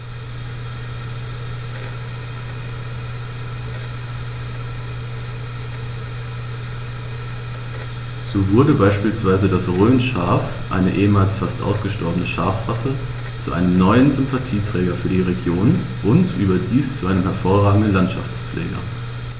So wurde beispielsweise das Rhönschaf, eine ehemals fast ausgestorbene Schafrasse, zu einem neuen Sympathieträger für die Region – und überdies zu einem hervorragenden Landschaftspfleger.